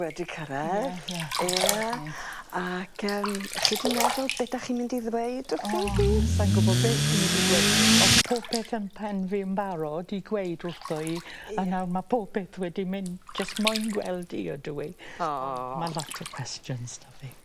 wedi carredd. Ie ie ie ie. Ac yym 'ych chi di meddwl be' 'dach chi'n mynd i ddweud wrthi hi? O sai'n gwbod beth fi'n mynd i gweu- o'dd pob peth yn pen fi yn barod i gweud wrtho i ..Ie. ...a nawr ma' pob peth wedi mynd jyst moyn gweld i ydw i. O. So ma' lot o questions 'da fi